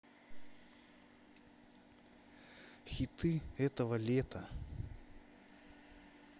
хиты этого лета